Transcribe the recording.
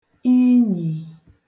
inyì